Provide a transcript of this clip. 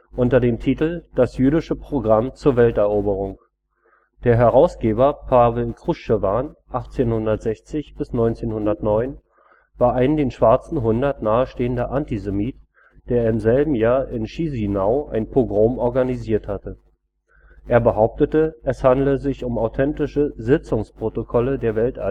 unter dem Titel „ Das jüdische Programm zur Welteroberung “. Der Herausgeber Pawel Kruschewan (1860 – 1909) war ein den Schwarzen Hundert nahestehender Antisemit, der im selben Jahr in Chișinău ein Pogrom organisiert hatte. Er behauptete, es handele sich um authentische „ Sitzungsprotokolle der Weltallianz